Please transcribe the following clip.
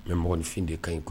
Bɛ mɔgɔnfin de ka ɲi kun